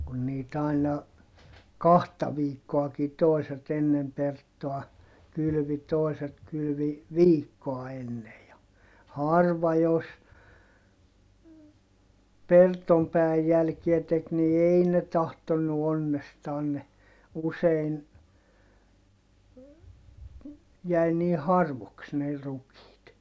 kun niitä aina kahta viikkoakin toiset ennen Perttoa kylvi toiset kylvi viikkoa ennen ja harva jos Perton päivän jälkiä teki niin ei ne tahtonut onnestaan ne usein jäi niin harvoiksi ne rukiit